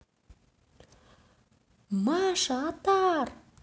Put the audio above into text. маша отар